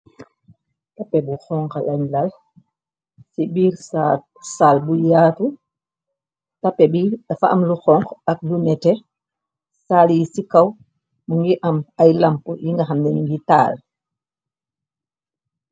Tape bu xonxalañ lal ci biir saal bu yaatu tape bi dfa am lu xonx ak bu néte saal yi ci kaw mu ngi am ay lamp yi nga xamnan ngi taal.